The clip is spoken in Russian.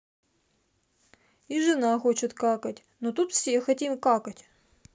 и жена хочет какать но тут все хотим какать